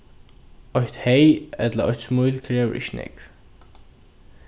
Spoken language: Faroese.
eitt hey ella eitt smíl krevur ikki nógv